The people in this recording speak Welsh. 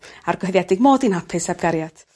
argyhoeddiedig mod i'n hapus heb gariad.